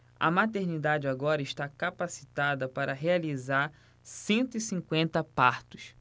a maternidade agora está capacitada para realizar cento e cinquenta partos